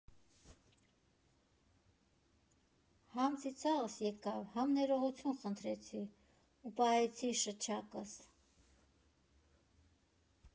Համ ծիծաղս եկավ, համ ներողություն խնդրեցի ու պահեցի շչակս։